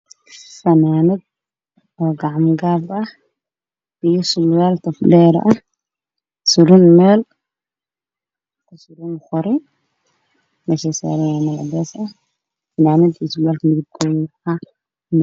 Fanaanad gacmo gaab ah iyo Buumo dabo gaab ah